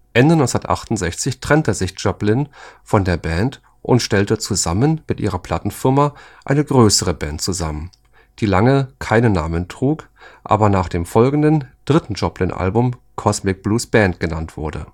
Ende 1968 trennte sich Joplin von der Band und stellte zusammen mit ihrer Plattenfirma eine größere Band zusammen, die lange keinen Namen trug, aber nach dem folgenden, dritten Joplin-Album Kozmic Blues Band genannt wurde